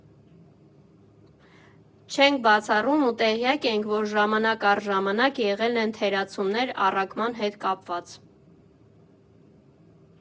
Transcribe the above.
Չենք բացառում ու տեղյակ ենք, որ ժամանակ առ ժամանակ եղել են թերացումներ առաքման հետ կապված։